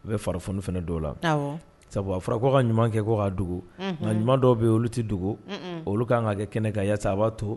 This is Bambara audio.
U bɛ fara kunnafoniunu fana dɔw la sabu fara ka ɲuman kɛ ko ka dogo nka ɲuman dɔw bɛ olu tɛ dogo olu ka kan ka kɛ kɛnɛ ka yasa a b'a to